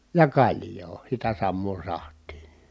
ja kaljaa sitä samaa sahtia